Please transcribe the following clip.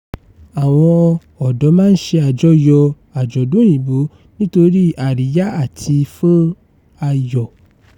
Àwọn ọ̀dọ́ máa ń ṣe àjọyọ̀ àjọ̀dún Òyìnbó nítorí àríyá àti fún ayọ̀.